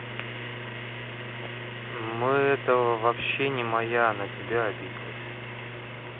мы этого вообще не моя на тебя обиделась